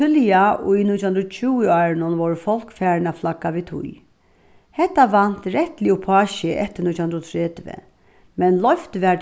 tíðliga í nítjanhundraðogtjúguárunum vóru fólk farin at flagga við tí hetta vant rættiliga upp á seg eftir nítjan hundrað og tretivu men loyvt var